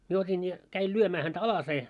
minä otin ja kävin lyömään häntä alaseen